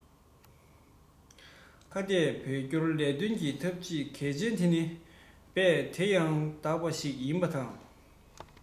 ཁ གཏད བོད སྐྱོར ལས དོན གྱི ཐབས ཇུས གལ ཆེན དེ ནི རྦད དེ ཡང དག པ ཞིག ཡིན པ དང